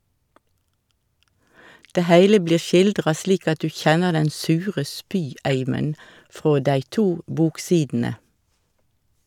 Det heile blir skildra slik at du kjenner den sure spyeimen frå dei to boksidene!